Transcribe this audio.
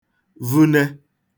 vune